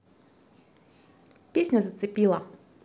песня зацепила